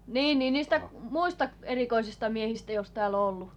niin niin niistä muista erikoisista miehistä jos täällä on ollut